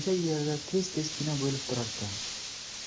yerda tez tez kino bo'lib turarkan